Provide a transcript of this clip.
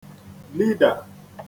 lidà